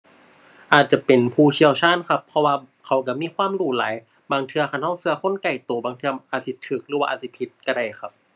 อาจจะเป็นผู้เชี่ยวชาญครับ เพราะว่าเขาก็มีความรู้หลาย บางเทื่อคันก็ก็คนใกล้ก็ บางเทื่ออาจะสิก็หรือว่าอาจสิผิดก็ได้ครับ